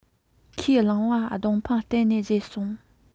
ཁས བླངས པ སྡོང ཕུང བཏབས ནས བཞད སོང